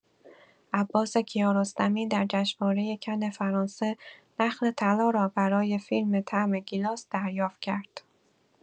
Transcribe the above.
عباس کیارستمی در جشنواره کن فرانسه نخل طلا را برای فیلم طعم گیلاس دریافت کرد.